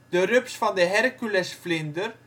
de rups van de herculesvlinder